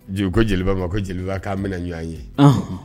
Ko jeliba ma ko jeliba k'a bɛna ɲɔgɔn ye